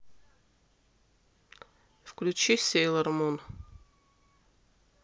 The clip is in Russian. включи сейлор мун